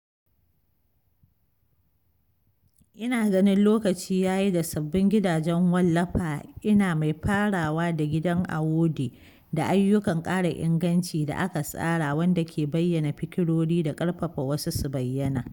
Ina ganin lokaci yayi da sabbin gidajen wallafa, ina mai farawa da gidan Awoudy, da ayyukan ƙara inganci da aka tsara wanda ke bayyana fikirori da ƙarfafa wasu su bayyana.